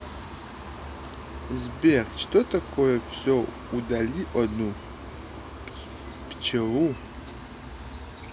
сбер что это все удали одну пчелу в minecraft